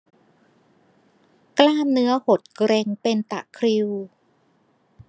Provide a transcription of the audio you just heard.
กล้ามเนื้อหดเกร็งเป็นตะคริว